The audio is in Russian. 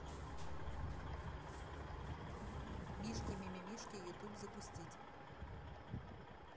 мишки мимимишки ютуб запустить